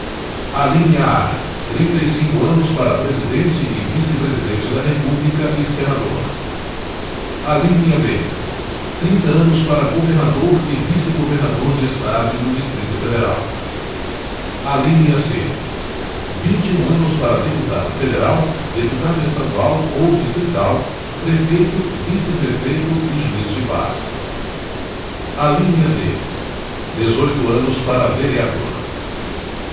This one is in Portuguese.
alínea a trinta e cinco anos para presidente e vice presidente da república e senador alínea b trinta anos para governador e vice governador de estado e do distrito federal alínea c vinte e um anos para deputado federal deputado estadual ou distrital prefeito vice prefeito e juiz de paz alínea d dezoito anos para vereador